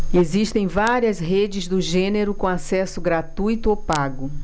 existem várias redes do gênero com acesso gratuito ou pago